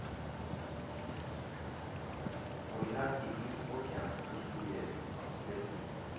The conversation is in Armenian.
Օրինակ՝ տիկին Սոֆյան, բուժքույր էր, ասում էր ինձ.